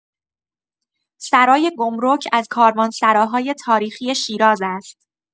سرای گمرک از کاروانسراهای تاریخی شیراز است.